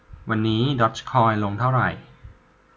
วันนี้ดอร์จคอยลงเท่าไหร่